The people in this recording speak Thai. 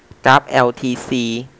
กราฟแอลทีซี